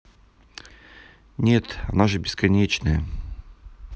нет она же бесконечная